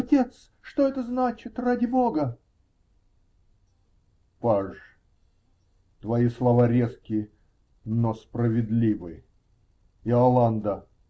-- Отец, что это значит, ради Бога? -- Паж, твои слова резки. но справедливы. Иоланда!